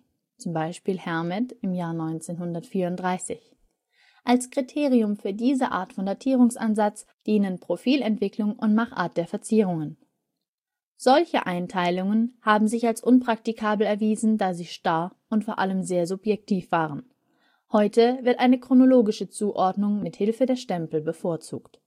z. B. Hermet 1934). Als Kriterium für diese Art von Datierungsansatz dienen Profilentwicklung und Machart der Verzierungen. Solche Einteilungen haben sich als unpraktikabel erwiesen, da sie starr und vor allem sehr subjektiv waren. Heute wird eine chronologische Zuordnung mit Hilfe der Stempel bevorzugt